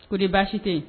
O de baasi tɛ